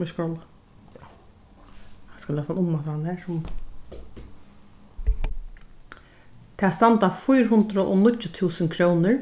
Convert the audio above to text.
nú má eg skrolla skal eg lesa hann umaftur handan har sum tað standa fýra hundrað og níggju túsund krónur